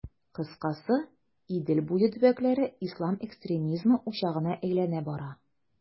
Кыскасы, Идел буе төбәкләре ислам экстремизмы учагына әйләнә бара.